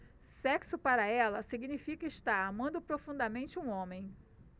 sexo para ela significa estar amando profundamente um homem